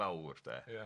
fawr 'de... Ia...